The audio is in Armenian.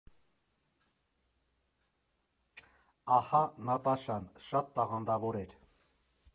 ֊ ահա, Նատաշան, շատ տաղանդավոր էր։